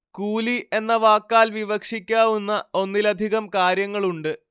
കൂലി എന്ന വാക്കാൽ വിവക്ഷിക്കാവുന്ന ഒന്നിലധികം കാര്യങ്ങളുണ്ട്